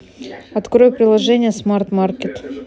открой приложение смарт маркет